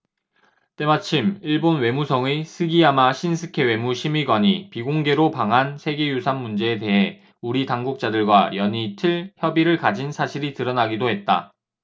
때마침 일본 외무성의 스기야마 신스케 외무심의관이 비공개로 방한 세계유산 문제에 대해 우리 당국자들과 연이틀 협의를 가진 사실이 드러나기도 했다